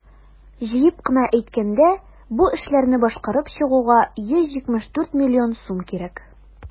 Җыеп кына әйткәндә, бу эшләрне башкарып чыгуга 174 млн сум кирәк.